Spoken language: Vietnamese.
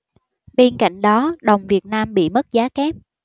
bên cạnh đó đồng việt nam bị mất giá kép